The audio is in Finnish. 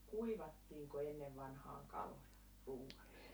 kuivattiinko ennen vanhaan kaloja ruuaksi